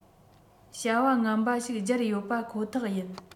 བྱ བ ངན པ ཞིག སྦྱར ཡོད པ ཁོ ཐག ཡིན